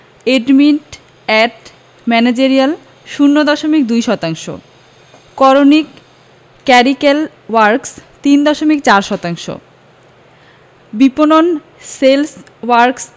admit and managerial ০ দশমিক ২ শতাংশ করণিক ক্ল্যারিক্যাল ওয়ার্ক্স ৩ দশমিক ৪ শতাংশ বিপণন সেলস ওয়ার্ক্স